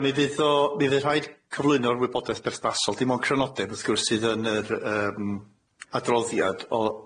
Ia mi fydd o mi fydd rhaid cyflwyno'r wybodaeth berthnasol dim ond crynodeb wrth gwrs sydd yn yr yym adroddiad o-